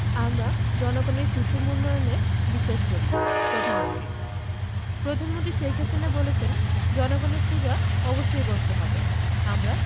আমরা জনগণের সুষম উন্নয়নে বিশ্বাস করি প্রধানমন্ত্রী প্রধানমন্ত্রী শেখ হাসিনা বলেছেন জনগণের সেবা অবশ্যই করতে হবে আমরা